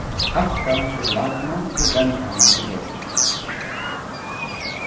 hakka sjokulátuna og vend hana í deiggið